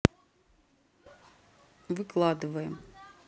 выкладываем